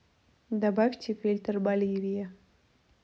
добавь фильтр боливия